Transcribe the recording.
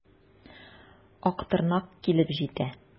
Актырнак килеп җитә.